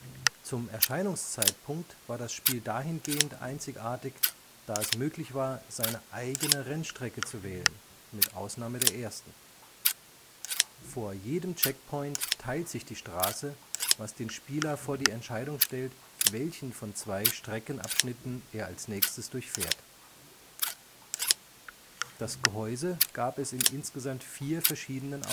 Zum Erscheinungszeitpunkt war das Spiel dahingehend einzigartig, da es möglich war, seine eigene Rennstrecke zu wählen (mit Ausnahme der ersten). Vor jedem Checkpoint teilt sich die Straße, was den Spieler vor die Entscheidung stellt, welchen von zwei Streckenabschnitten er als Nächstes durchfährt. Das Gehäuse gab es in insgesamt vier verschiedenen